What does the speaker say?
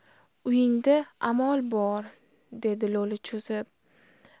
uyingda amol boor dedi lo'li cho'zib